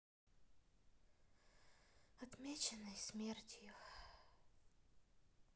отмеченный смертью